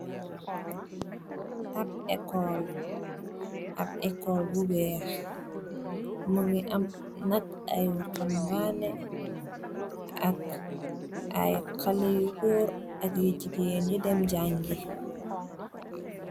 Ap ekol, ap ekol bu wèèx. Mugii am nak ay waxu'mbani ak ay xalèh yu gór ak yu gigeen yu dem jangii.